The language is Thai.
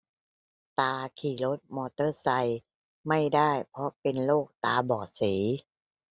ตาขี่รถมอเตอร์ไซค์ไม่ได้เพราะเป็นโรคตาบอดสี